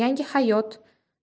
yangi hayot